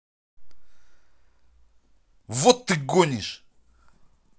вот ты гонишь